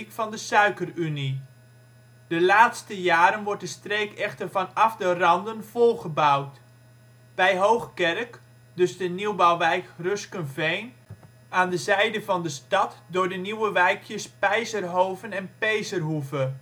van de Suikerunie. De laatste jaren wordt de streek echter vanaf de randen volgebouwd. Bij Hoogkerk door de nieuwbouwwijk Ruskenveen, aan de zijde van de stad door het nieuwe wijkjes Peizerhoven en Pezerhoeve